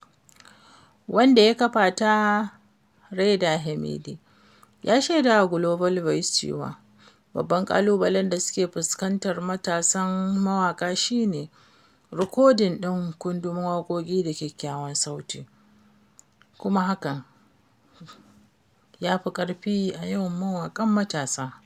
Wanda ya kafa ta, Reda Hmidi, ya shaida wa Global Voices cewa, “babban ƙalubale da ke fuskantar matasan mawaƙa shi ne rikodin din kundin waƙoƙi da kyakkyawan sauti, kuma hakan yafi ƙarfin da yawan mawaqan matasa.”